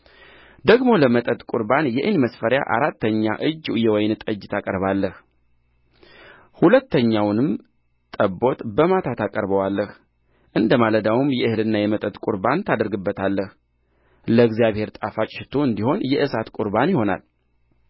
ደግሞ ለመጠጥ ቍርባን የኢን መስፈሪያ አራተኛ እጅ የወይን ጠጅ ታቀርባለህ ሁለተኛውንም ጠቦት በማታ ታቀርበዋለህ እንደ ማለዳውም የእህልና የመጠጥ ቍርባን ታደርግበታለህ ለእግዚአብሔር ጣፋጭ ሽቱ እንዲሆን የእሳት ቍርባን ይሆናል